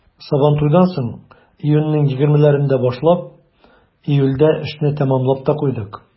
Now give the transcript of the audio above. Сабантуйдан соң, июньнең 20-ләрендә башлап, июльдә эшне тәмамлап та куйдык.